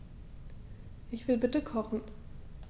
Ich will bitte kochen.